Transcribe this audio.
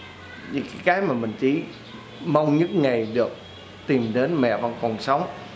những cái mà mình chỉ mong những ngày liệu tìm đến mẹ vẫn còn sống